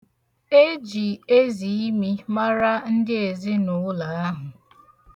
E ji eziimi mara ndị ezinụụlọ ahụ.